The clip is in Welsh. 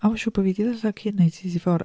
O mae'n siŵr bod fi 'di ddarllen o cyn 1984.